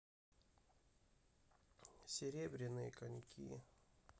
серебряные коньки